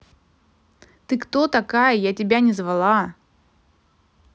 ты кто такая я тебя не звала